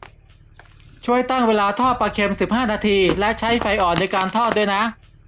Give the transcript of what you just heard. ช่วยตั้งเวลาทอดปลาเค็มสิบห้านาทีและใช้ไฟอ่อนในการทอดด้วยนะ